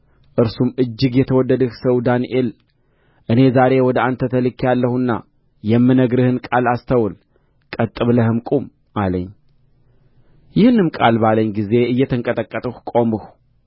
እርሱም እጅግ የተወደድህ ሰው ዳንኤል ሆይ እኔ ዛሬ ወደ አንተ ተልኬአለሁና የምነግርህን ቃል አስተውል ቀጥ ብለህም ቁም አለኝ ይህንም ቃል ባለኝ ጊዜ እየተንቀጠቀጥሁ ቆምሁ